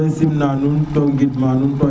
maxey sim nanun te gind ma nuun